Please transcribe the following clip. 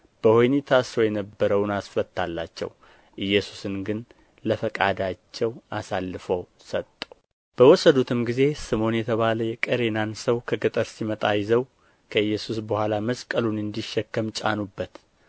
በወኅኒ ታስሮ የነበረውን አስፈታላቸው ኢየሱስን ግን ለፈቃዳቸው አሳልፎ ሰጠው በወሰዱትም ጊዜ ስምዖን የተባለ የቀሬናን ሰው ከገጠር ሲመጣ ይዘው ከኢየሱስ በኋላ መስቀሉን እንዲሸከም ጫኑበት